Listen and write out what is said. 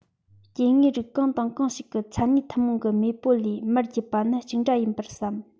སྐྱེ དངོས རིགས གང དང གང ཞིག གི མཚན གཉིས ཐུན མོང གི མེས པོ ལས མར བརྒྱུད པ ནི གཅིག འདྲ ཡིན པར བསམས